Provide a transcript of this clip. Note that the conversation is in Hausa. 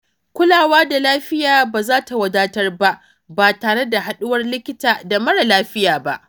Kulawa da lafiya baza ta wadatar ba, ba tare da haɗuwar likita da mara lafiya.